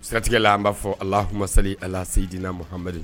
Siratigɛ la an b'a fɔ ahams ala sedina muham